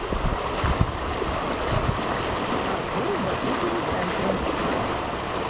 паркур в батутном центре